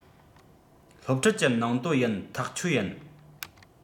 སློབ ཁྲིད ཀྱི ནང དོན ཡིན ཐག ཆོད ཡིན